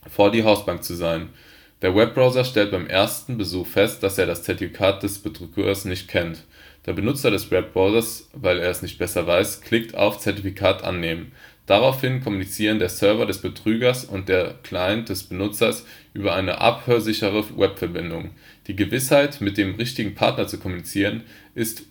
vor, die Hausbank zu sein. Der Webbrowser stellt beim ersten Besuch fest, dass er das Zertifikat des Betrügers nicht kennt. Der Benutzer des Webbrowsers, weil er es nicht besser weiß, klickt auf Zertifikat annehmen. Daraufhin kommunizieren der Server des Betrügers und der Client des Benutzers über eine abhörsichere Web-Verbindung. Die Gewissheit, mit dem richtigen Partner zu kommunizieren, ist